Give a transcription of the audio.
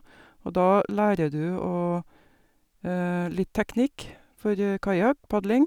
Og da lærer du å litt teknikk for kajakkpadling.